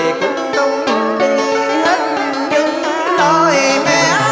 trọn kiếp người